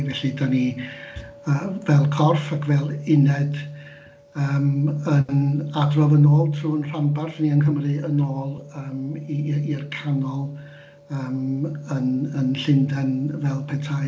Felly dan ni yy fel corff ac fel uned yym yn adrodd yn ôl trwy'n rhanbarth ni yng Nghymru yn ôl yym i i i'r canol yym yn Llundain fel petai.